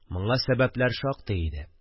Моңа сәбәпләр шактый иде